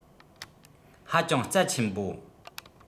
ཧ ཅང རྩ ཆེན པོ